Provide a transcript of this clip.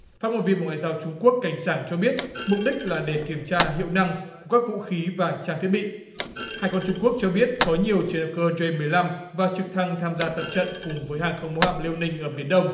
phát ngôn viên bộ ngoại giao trung quốc cảnh sảng cho biết mục đích là để kiểm tra hiệu năng các vũ khí và trang thiết bị hải quân trung quốc cho biết có nhiều chuyển động cơ trên mười lăm và trực thăng tham gia tập trận cùng với hàng không mẫu hạm liêu ninh ở biển đông